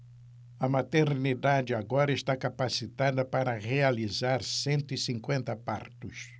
a maternidade agora está capacitada para realizar cento e cinquenta partos